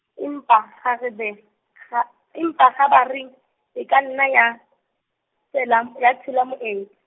empa kgarebe, kga- empa kgabareng, e ka nna ya, tshela ya tshela moedi.